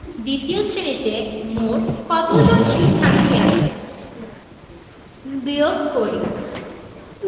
দ্বিতীয় শ্রেণিতে মোট কত জন শিক্ষার্থী আছে বিয়োগ করিঃ